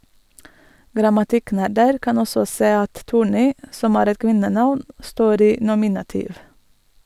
Grammatikknerder kan også se at Thorni, som er et kvinnenavn, står i nominativ.